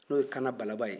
n'o ye kana balaba ye